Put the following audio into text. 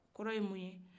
o kɔrɔ ye mun ye